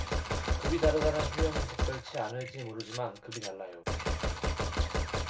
급이 다르다는 표현이 적절치 않을지 모르지만 급이 달라요